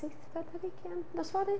Seithfed ar hugain? Nos fory?